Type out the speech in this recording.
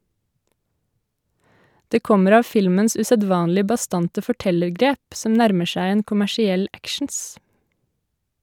Det kommer av filmens usedvanlig bastante fortellergrep, som nærmer seg en kommersiell actions.